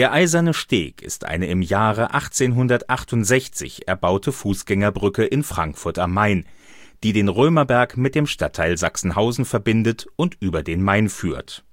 Eiserne Steg ist eine im Jahre 1868 erbaute Fußgängerbrücke in Frankfurt am Main, die den Römerberg mit dem Stadtteil Sachsenhausen verbindet und über den Main führt